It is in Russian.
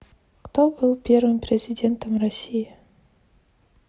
кто был первым президентом россии